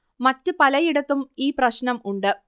മറ്റ് പലയിടത്തും ഈ പ്രശ്നം ഉണ്ട്